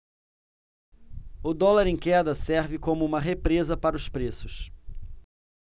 o dólar em queda serve como uma represa para os preços